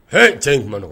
H cɛ in tun nɔgɔ